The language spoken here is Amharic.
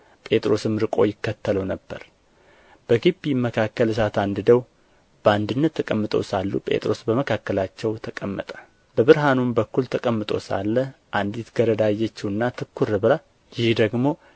ጴጥሮስም ርቆ ይከተለው ነበር በግቢ መካከልም እሳት አንድደው በአንድነት ተቀምጠው ሳሉ ጴጥሮስ በመካከላቸው ተቀመጠ በብርሃኑም በኩል ተቀምጦ ሳለ አንዲት ገረድ አየችውና ትኵር ብላ ይህ ደግሞ